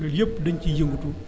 loolu yëpp dañ ciy yëngatu